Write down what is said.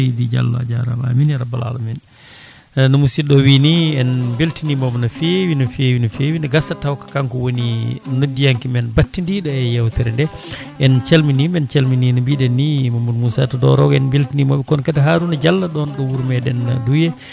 seydi Diallo a jarama amine ya rabal alamina no musidɗo o wiini en beltinimomo no fewi no fewi no fewi ne gasa taw ko kanko woni noddiyanke men battidiɗo e yewtere nde en calminiɓe en calmini no mbiɗen ni Mamadou Moussa to Doorogo en beltinimomo kono kadi Harouna Diallo ɗon ɗo wuuru meɗen Douye